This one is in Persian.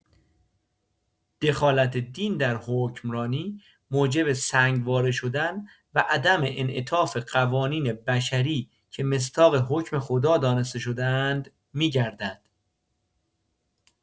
دخالت دین در حکمرانی موجب سنگ واره شدن و عدم انعطاف قوانین بشری که مصداق حکم خدا دانسته شده‌اند می‌گردد.